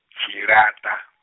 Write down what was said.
Tshilata.